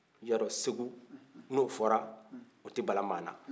i y'a dɔn segu n'o fɔra o tɛ bali maa na